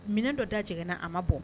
Minnɛ dɔ da jɛngɛnna a ma bɔn